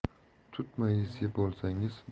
tutmayizni yeb olsangiz